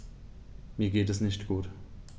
Mir geht es nicht gut.